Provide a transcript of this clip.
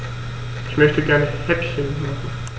Ich möchte gerne Häppchen machen.